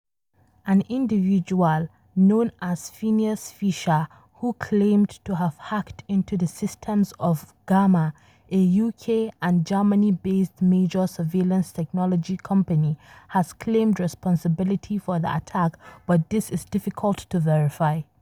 An individual known as “Phineas Fisher”, who claimed to have hacked into the systems of Gamma, a UK and Germany-based major surveillance technology company, has claimed responsibility for the attack, but this is difficult to verify.